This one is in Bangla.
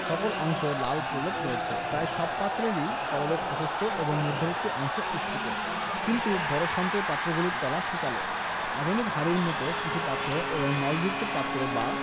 সকল অংশে লাল প্রলেপ রয়েছে প্রায় সব পাত্রেরই তলদেশ প্রশস্ত এবং মধবর্তী অংশ স্ফীত কিন্তু বড় সঞ্চয় পাত্রগুলির তলা সূচালো আধুনিক হাড়ির মতো কিছু পাত্র এবং নলযুক্ত পাত্র বা